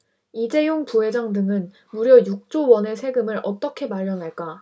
이재용 부회장 등은 무려 육 조 원의 세금을 어떻게 마련할까